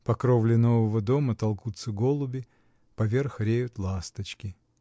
по кровле нового дома толкутся голуби, поверх реют ласточки.